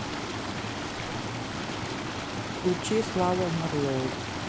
включи слава марлоу